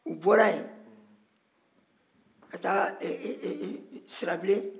u bɔra yen ka taa sirabilen